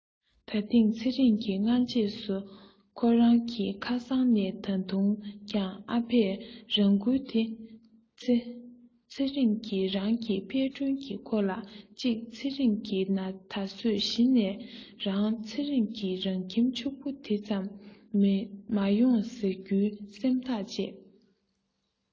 ད ཐེངས ཚེ རིང གིས སྔ རྗེས སུ ཁོ རང གི ཁ སང ནས ད དུང ཀྱང ཨ ཕས རང འགུལ དེའི ཚེ ཚེ རིང གི རང གི དཔལ སྒྲོན གྱིས ཁོ ལ གཅིག ཚེ རིང ནི ད གཟོད གཞི ནས རང ཚེ རིང གི རང ཁྱིམ ཕྱུག པོ དེ ཙམ མ ཡོང ཟེར རྒྱུའི སེམས ཐག བཅད